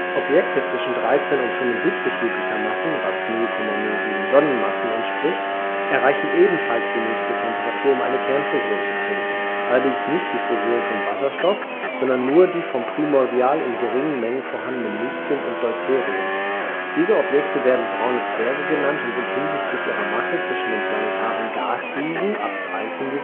Objekte zwischen 13 und 75 Jupitermassen (oder 0,07 Sonnenmassen) erreichen ebenfalls die nötige Temperatur, um eine Kernfusion zu zünden, allerdings nicht die Fusion von Wasserstoff, sondern nur die von primordial in geringen Mengen vorhandenem Lithium und Deuterium. Diese Objekte werden Braune Zwerge genannt und sind hinsichtlich ihrer Masse zwischen den planetaren Gasriesen (bis 13 MJ